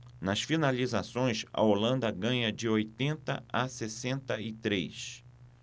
nas finalizações a holanda ganha de oitenta a sessenta e três